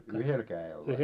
ja yhdellä kädellä vai